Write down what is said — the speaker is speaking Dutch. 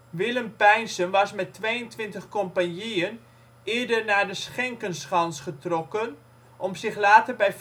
Willem Pijnssen was met 22 compagnieën eerst naar de Schenkenschans getrokken, om zich later bij